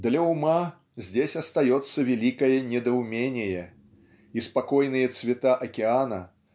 Для ума здесь остается великое недоумение и спокойные цвета океана